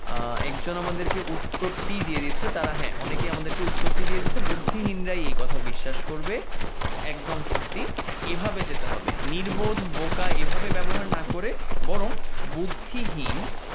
একজন আমাকে উত্তরটি দিয়ে দিচ্ছে হ্যাঁ অনেকেই আমাদের উত্তরটি দিয়ে দিচ্ছে বুদ্ধিহীনরাই এ কথা বিশ্বাস করবে একদম সত্যি এভাবে যেতে হবে নির্বোধ বোকা এভাবে ব্যবহার না করে বরং বুদ্ধিহীন